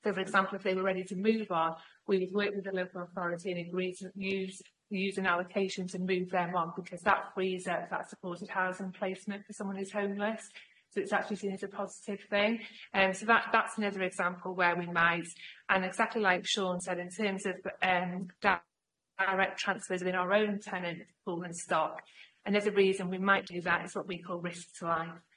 So for example if they were ready to move on, we would work with the local authority and we'd use we'd use an allocation to move them on because that frees up that supported housing placement for someone who's homeless so it's actually seen as a positive thing and so that that's another example where we might and exactly like Siôn said in terms of yym da- direct transfers in our own tenant pool and stock another reason we might do that is what we call risk to life.